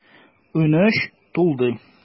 Унөч тулды.